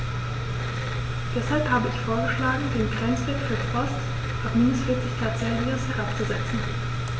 Deshalb habe ich vorgeschlagen, den Grenzwert für Frost auf -40 ºC herabzusetzen.